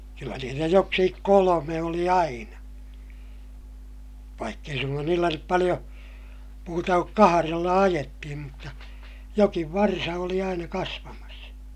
kyllä niitä joksikin kolme oli aina vaikka ei suinkaan niillä nyt paljon muuta kuin kahdella ajettiin mutta jokin varsa oli aina kasvamassa